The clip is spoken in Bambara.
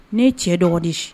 Ne cɛ dɔgɔ di